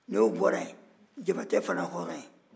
n'o bɔra yen jabate fana ye hɔrɔn ye